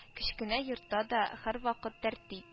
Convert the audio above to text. Кечкенә йортта да һәрвакыт тәртип